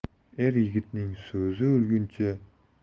er yigitning so'zi